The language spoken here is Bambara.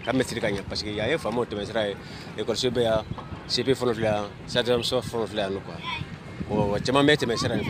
Bɛ siri ka ɲɛ parce que yan ye faamaw tɛmɛsira ye, lakɔliso bɛ yan caman bɛ tɛmɛ sira in fɛ